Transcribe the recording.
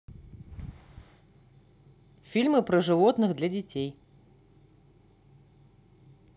фильмы про животных для детей